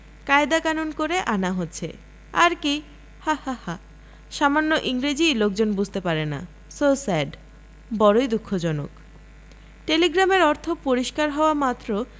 কায়দা কানুন করে আনা হচ্ছে আর কি হা হা হা সামান্য ইংরেজী লোকজন বুঝতে পারে না সো সেড. বড়ই দুঃখজনক টেলিগ্রামের অর্থ পরিষ্কার হওয়ামাত্র